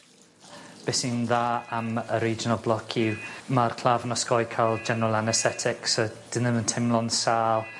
Be' sy'n dda am y regional block yw ma'r claf yn osgoi ca'l general anesthetic so 'dyn nw 'im yn timlo'n sâl.